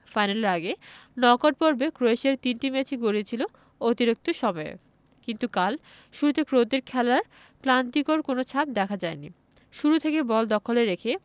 ফাইনালের আগে নকআউট পর্বে ক্রোয়েশিয়ার তিনটি ম্যাচই গড়িয়েছিল অতিরিক্ত সময়ে কিন্তু কাল শুরুতে ক্রোটদের খেলায় ক্লান্তির কোনো ছাপ দেখা যায়নি শুরু থেকে বল দখলে রেখে